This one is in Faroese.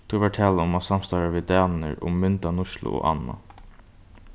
tí var talan um at samstarva við danir um myndanýtslu og annað